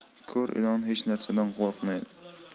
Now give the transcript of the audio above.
ko'r ilon hech narsadan qo'rqmaydi